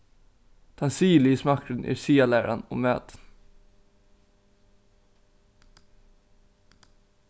tann siðiligi smakkurin er siðalæran um matin